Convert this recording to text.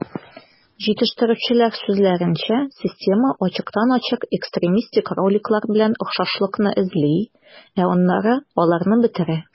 Җитештерүчеләр сүзләренчә, система ачыктан-ачык экстремистик роликлар белән охшашлыкны эзли, ә аннары аларны бетерә.